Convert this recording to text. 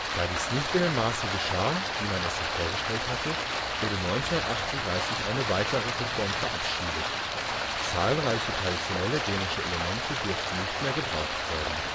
Da dies nicht in dem Maße geschah, wie man es sich vorgestellt hatte, wurde 1938 eine weitere Reform verabschiedet: zahlreiche traditionelle dänische Elemente durften nicht mehr gebraucht werden